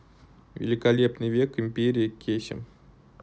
великолепный век империя кесем